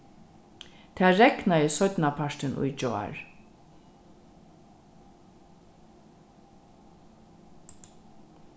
tað regnaði seinnapartin í gjár